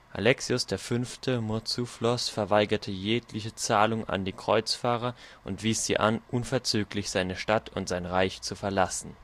Alexios V. Murtzouphlos verweigerte jegliche Zahlung an die Kreuzfahrer und wies sie an, unverzüglich seine Stadt und sein Reich zu verlassen